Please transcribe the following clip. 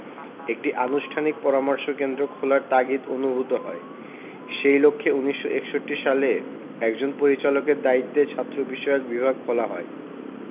একটি আনুষ্ঠানিক পরামর্শ কেন্দ্র খোলার তাগিদ অনুভূত হয় সেই লক্ষ্যে ১৯৬১ সালে একজন পরিচালকের দায়িত্বে ছাত্রবিষয়ক বিভাগ খোলা হয়